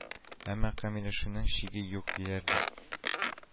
Әмма камилләшүнең чиге юк, диләр бит